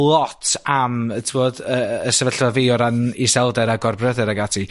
lot am yy t'mod, y y y sefyllfa fi o ran iselder a gor bryder ag ati,